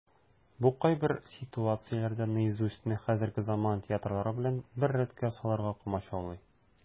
Бу кайбер ситуацияләрдә "Наизусть"ны хәзерге заман театрылары белән бер рәткә салырга комачаулый.